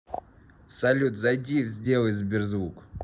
салют зайди в сделай сберзвук